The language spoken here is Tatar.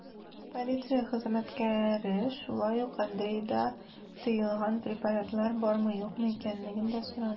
Полиция хезмәткәре шулай ук Андрейда тыелган препаратлар бармы-юкмы икәнлеген дә сорады.